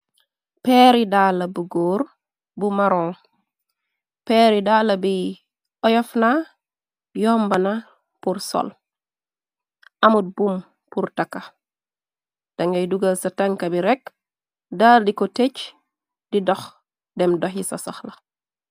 Pehri daala bu gorre bu maron, pehri daala bii oyoff na, yombana pur sol, amut buum pur taka, dangay dugal sa tanka bi rekk daal di ko tëj, di dokh dem dokhi sa sokhla.